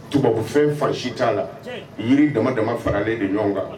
Tubabufɛn fa si t'a la yiri dama dama faralen de ɲɔgɔn kan